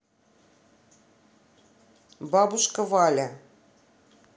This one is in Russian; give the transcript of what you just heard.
бабушка валя